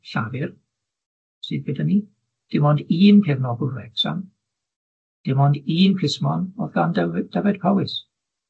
Llafur sydd gyda ni, dim ond un cefnogwr Wrecsam, dim ond un plismon o'dd gan Dyfry- Dyfed Powys.